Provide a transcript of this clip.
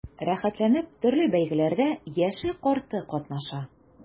Рәхәтләнеп төрле бәйгеләрдә яше-карты катнаша.